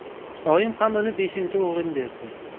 oyim ham uni beshinchi o'g'lim derdi